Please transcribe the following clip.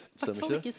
stemmer ikkje det?